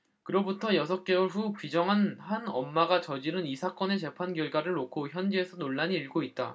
그로부터 여섯 개월 후 비정한 한 엄마가 저지른 이 사건의 재판 결과를 놓고 현지에서 논란이 일고있다